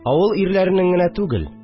Авылның ирләренең генә түгел